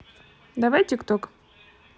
давай тикток